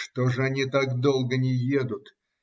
Что ж они так долго не едут?